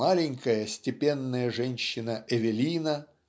маленькая степенная женщина Эвелина